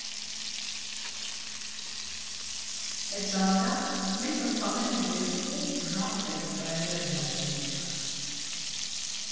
Էդ Ժամանակ մենք ընդամենը երկու ժամ էլեկտրաէներգիա ունեինք։